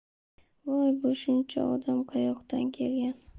voy bu shuncha odam qayoqdan kelgan